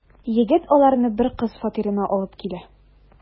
Егет аларны бер кыз фатирына алып килә.